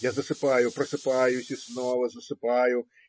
Я засыпаю, просыпаюсь и снова засыпаю.